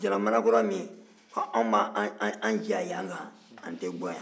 jaramana kɔrɔ ye min ye anw b'an ja yan kan an tɛ bɔ yan